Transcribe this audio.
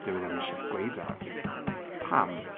Dyw e ddim isie gweud e. Pam?